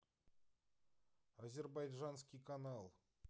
азербайджанский канал